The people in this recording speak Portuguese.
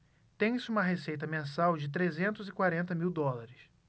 tem-se uma receita mensal de trezentos e quarenta mil dólares